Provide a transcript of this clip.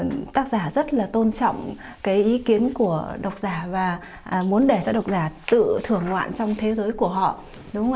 tác giả rất là tôn trọng cái ý kiến của độc giả và muốn để cho độc giả tự thưởng ngoạn trong thế giới của họ đúng không ạ